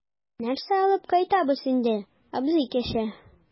Нәрсә алып кайтабыз инде, абзый кеше?